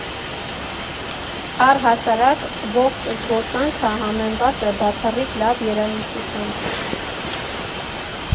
Առհասարակ ողջ զբոսանքը համեմված է բացառիկ լավ երաժշտությամբ։